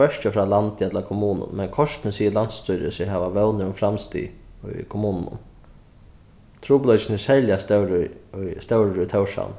hvørki frá landi ella kommunum men kortini sigur landsstýrið seg hava vónir um framstig í kommununum trupulleikin er serliga stórur stórur í tórshavn